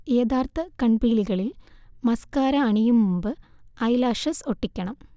യഥാർത്ഥ കൺപീലികളിൽ മസ്കാര അണിയും മുമ്പ് ഐലാഷസ് ഒട്ടിക്കണം